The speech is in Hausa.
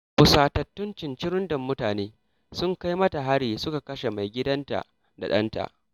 Fusatattun cincirindon mutane sun kai mata hari suka kashe maigidanta da ɗanta.